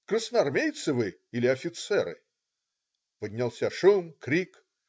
Красноармейцы вы или офицеры?!" Поднялся шум, крик.